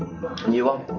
nhiều hôn